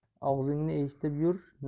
og'zingni eshitib yur